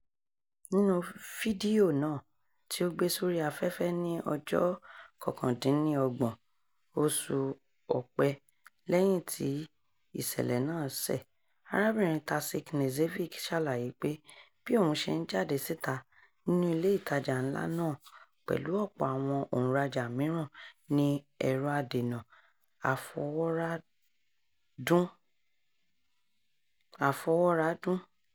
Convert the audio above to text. Nínú fídíò náà, tí ó gbé-sórí-áfẹ́fẹ́ ní ọjọ́ 29, oṣù Ọ̀pẹ lẹ́yìn tí ìṣẹ̀lẹ̀ náà ṣẹ̀, arábìnrin Tasić Knežević ṣàlàyé pé bí òun ṣe ń jáde síta nínú ilé ìtajà ńlá náà pẹ̀lú ọ̀pọ̀ àwọn òǹrajà mìíràn ni ẹ̀rọ adènà àfọwọ́rá dún.